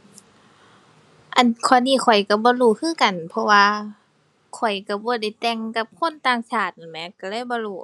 อั่น ข้อนี้ข้อยก็บ่รู้คือกัน เพราะว่าข้อยก็บ่ได้แต่งกับคนต่างชาตินั่นแหม ก็เลยบ่รู้